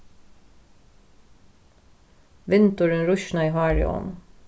vindurin rísnaði hárið á honum